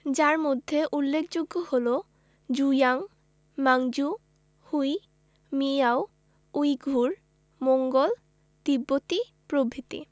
যার মধ্যে উল্লেখযোগ্য হলো Zhuang Manchu Hui Miao Uyghur Mongol তিব্বতি প্রভৃতি